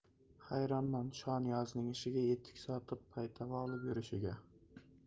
hayronman shoniyozning ishiga etik sotib paytava olib yurishiga